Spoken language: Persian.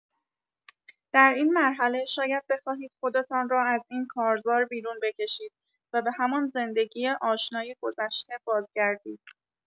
در این مرحله شاید بخواهید خودتان را از این کارزار بیرون بکشید و به همان زندگی آشنای گذشته بازگردید.